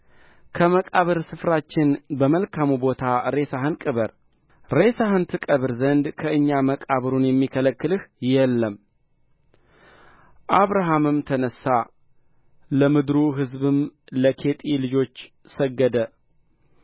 ከመቃብር ስፍራችን በመልካሙ ቦታ ሬሳህን ቅበር ሬሳህን ትቀብር ዘንድ ከእኛ መቃብሩን የሚከለክልህ የለም አብርሃምም ተነሣ ለምድሩ ሕዝብም ለኬጢ ልጆች ሰገደ